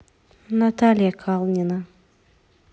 наталья калнина